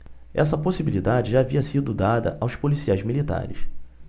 essa possibilidade já havia sido dada aos policiais militares